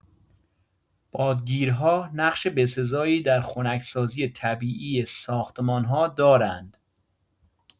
بادگیرها نقش بسزایی در خنک‌سازی طبیعی ساختمان‌ها دارند.